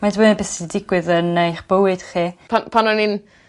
mae'n dibynnu ar be' sy'n digwydd yn eich bywyd chi. Pan pan o'n i'n